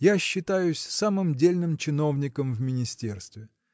я считаюсь самым дельным чиновником в министерстве.